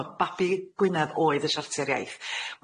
B- yy ch'mod babi Gwynedd oedd y Siarter Iaith.